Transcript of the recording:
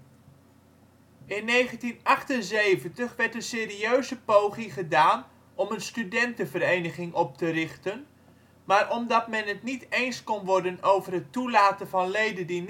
1978 werd een serieuze poging gedaan om een studentenvereniging op te richten, maar omdat men het niet eens kon worden over het toelaten van leden die niet